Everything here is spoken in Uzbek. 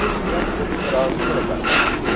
o'zingdan 'zing rozi bo'lasan